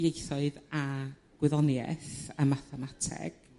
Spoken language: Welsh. ieithoedd a gwyddoni'eth a mathemateg.